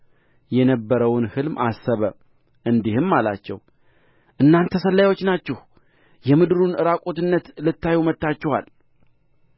የነበረውን ሕልም አሰበ እንዲህም አላቸው እናንተ ሰላዮች ናችሁ የምድሩን ዕራቁትነት ልታዩ መጥታችኋል